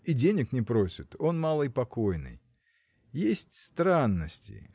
и денег не просит: он малый покойный. Есть странности.